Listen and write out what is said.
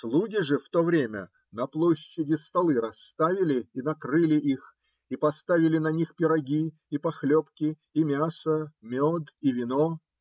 Слуги же в то время на площади столы расставили, и покрыли их, и поставили на них пироги, и похлебки, и мясо, мед и вино.